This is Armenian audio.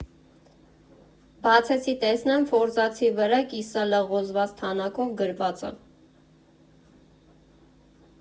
Բացեցի, տեսնեմ ֆորզացի վրա կիսալղոզված թանաքով գրված ա.